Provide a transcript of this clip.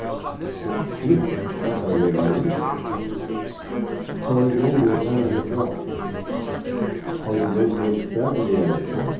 sløkk raddarvegleiðing koyr ljóðið harðari frá koyr ljóðið spakuligari frá